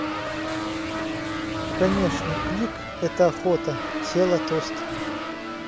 конечно клик это охота тела тосты